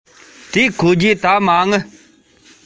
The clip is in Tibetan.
ཁ རྩོད དང འཛིང རེས བྱེད ནས